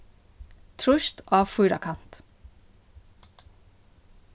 trýst á fýrakant